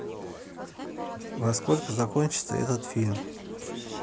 во сколько закончится этот фильм